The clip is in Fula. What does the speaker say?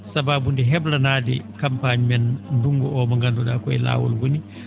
sabaabu nde heblanaade campagne men ndunngu o mo ngandu?aa koye laawol woni